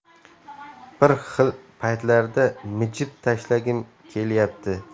bir xil paytlarda mijib tashlagim kelyapti